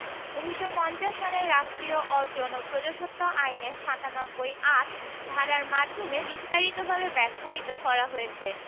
১৯৫০ সনের রাষ্ট্রীয় অর্জন ও প্রজাস্বত্ব আইনের ৯৭ ৮ ধারার মাধ্যমে বিস্তারিতভাবে ব্যাখ্যায়িত করা হয়েছে